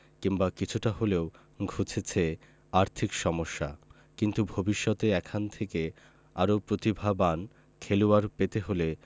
কিংবা কিছুটা হলেও ঘুচেছে আর্থিক সমস্যা কিন্তু ভবিষ্যতে এখান থেকে আরও প্রতিভাবান খেলোয়াড় পেতে হলে